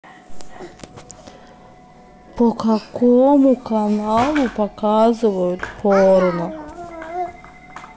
по какому каналу показывают порно